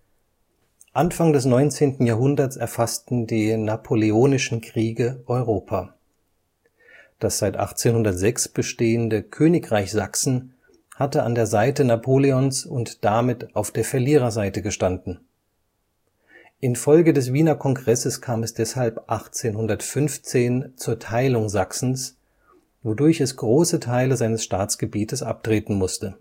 Anfang des 19. Jahrhunderts erfassten die Napoleonischen Kriege Europa. Das seit 1806 bestehende Königreich Sachsen hatte an der Seite Napoleons und damit auf der Verliererseite gestanden. Infolge des Wiener Kongresses kam es deshalb 1815 zur Teilung Sachsens, wodurch es große Teile seines Staatsgebietes abtreten musste